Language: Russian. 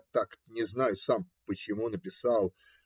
Я так это, не знаю сам почему, написал.